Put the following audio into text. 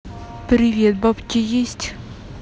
привет бабки есть